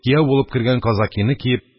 Кияү булып кергән казакины киеп,